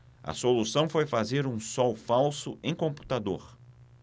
a solução foi fazer um sol falso em computador